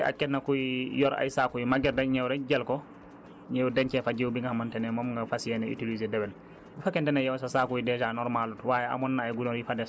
waaye des fois dangay gis nit jóg nii rekk tase fi ak kenn kuy yor ay saako yu màgget rekk ñëw rekk jël ko ñëw dencee fa jiwu bi nga xamante ne moom nga fas yéene utiliser déwén